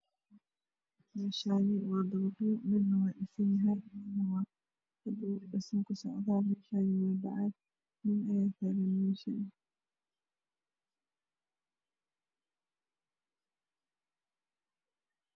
Meshani waa dabaq midna wa dhisan yahy midna hada dhismo ka socoto meshan wA bacaad nin aya tagan meshan